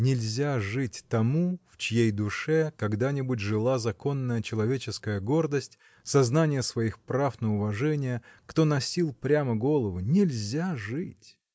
Нельзя жить тому, в чьей душе когда-нибудь жила законная человеческая гордость, сознание своих прав на уважение, кто носил прямо голову, — нельзя жить!